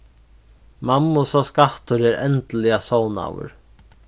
mammusa skattur er endiliga sovnaður